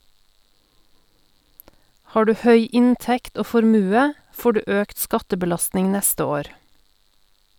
Har du høy inntekt og formue, får du økt skattebelastning neste år.